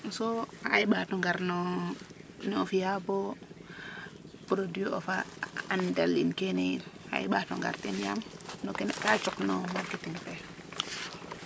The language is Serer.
so wo xa i mbato gar noo ne o fiya bo produit of a an delin kene yin xa i mbato ngar ten yam no kene ka cuq no marketing fe